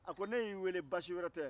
a ko ne y'i weele baasi wɛrɛ tɛ